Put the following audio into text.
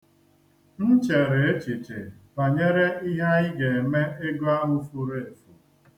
M chere echiche banyere ihe anyị ga-eme ego ahụ furu efu,